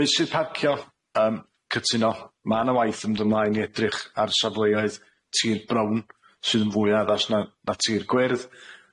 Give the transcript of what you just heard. Meysydd parcio, yym cytuno ma' 'na waith yn dod mlaen i edrych ar safleoedd tir brown sydd yn fwy addas na na tir gwyrdd.